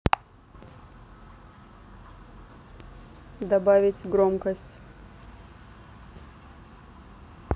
добавить громкость